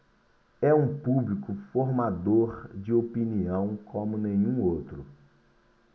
é um público formador de opinião como nenhum outro